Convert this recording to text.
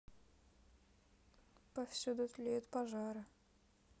повсюду тлеют пожары